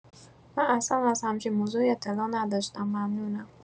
من اصلا از همچین موضوعی‌اطلاع نداشتم، ممنونم